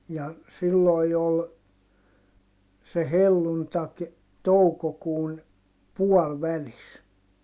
ja silloin jo oli se helluntai toukokuun puolivälissä